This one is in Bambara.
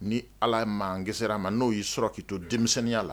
Ni Ala ma an kisir'a ma n'o y'i sɔrɔ k'i to denmisɛnninya la